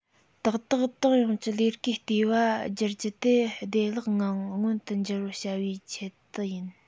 ཏག ཏག ཏང ཡོངས ཀྱི ལས ཀའི ལྟེ བ བསྒྱུར རྒྱུ དེ བདེ བླག ངང མངོན དུ འགྱུར བར བྱ རྒྱུའི ཆེད དུ རེད